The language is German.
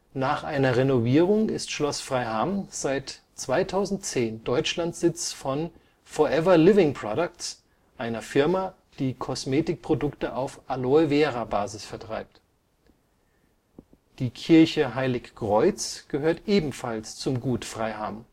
Nach einer Renovierung ist Schloss Freiham seit 2010 Deutschlandsitz von Forever Living Products, einer Firma, die Kosmetikprodukte auf Aloe-Vera-Basis vertreibt. Die Kirche Heilig Kreuz gehört ebenfalls zum Gut Freiham